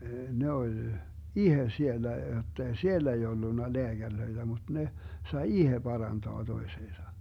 ne oli itse siellä jotta ei siellä ei ollut lääkäreitä mutta ne sai itse parantaa toisensa